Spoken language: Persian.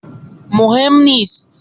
مهم نیست.